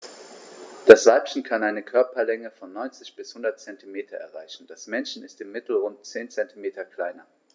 Das Weibchen kann eine Körperlänge von 90-100 cm erreichen; das Männchen ist im Mittel rund 10 cm kleiner.